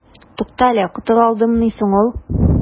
Туктале, котыла алдымыни соң ул?